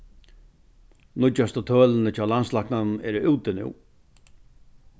nýggjastu tølini hjá landslæknanum eru úti nú